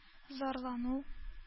Зарлану